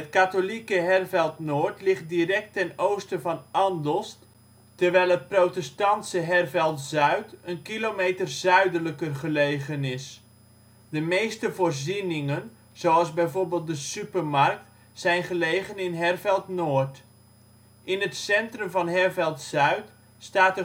katholieke Herveld-Noord ligt direct ten oosten van Andelst, terwijl het protestantse Herveld-Zuid een kilometer zuidelijker gelegen is. De meeste voorzieningen, zoals bijvoorbeeld de supermarkt, zijn gelegen in Herveld-Noord. In het centrum van Herveld-Zuid staat